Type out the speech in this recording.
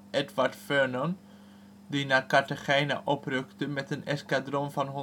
Vernon, die naar Cartagena oprukte met een eskadron van